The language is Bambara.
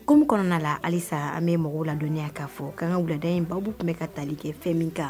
Komiumu kɔnɔna la halisa an bɛ mɔgɔw ladonya'a fɔ ka kan lada in baw tun bɛ ka tali kɛ fɛn min kan